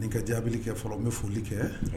N ka jaabi kɛ fɔlɔ n bɛ foli kɛ